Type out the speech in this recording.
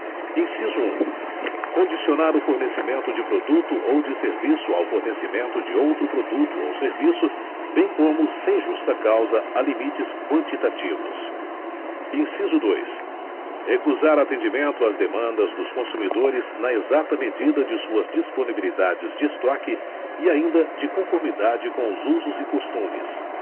inciso um condicionar o fornecimento de produto ou de serviço ao fornecimento de outro produto ou serviço bem como sem justa causa a limites quantitativos inciso dois recusar atendimento às demandas dos consumidores na exata medida de suas disponibilidades de estoque e ainda de conformidade com os usos e costumes